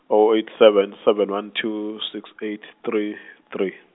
oh eight seven seven, one two, six eight three, three.